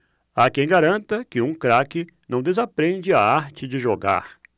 há quem garanta que um craque não desaprende a arte de jogar